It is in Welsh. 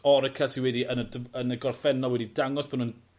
Orica sy wedi yn y dyf- yn y gorffennol wedi dangos bo' nw'n